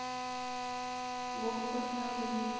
бог кулинарии